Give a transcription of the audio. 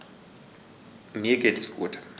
Mir geht es gut.